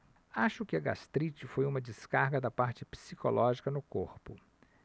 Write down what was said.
acho que a gastrite foi uma descarga da parte psicológica no corpo